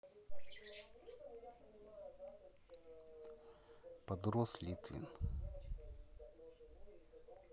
подрос литвин